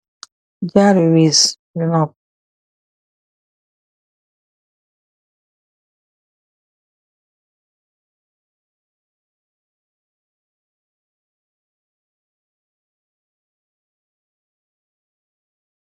Jaru wiis yu nopuh.